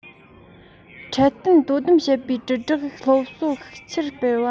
འཕྲལ བསྟུན དོ དམ བྱེད པའི དྲིལ བསྒྲགས སློབ གསོ ཤུགས ཆེར སྤེལ བ